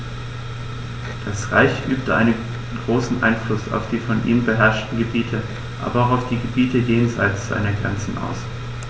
Das Reich übte einen großen Einfluss auf die von ihm beherrschten Gebiete, aber auch auf die Gebiete jenseits seiner Grenzen aus.